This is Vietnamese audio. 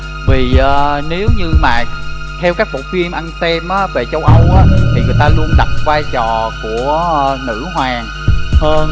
vì ớ nếu như mà theo các bộ phim anh xem á về châu âu á thì người ta luôn đặt vai trò của nữ hoàng hơn